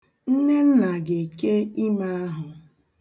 Nnenna ga-eke ime ahụ.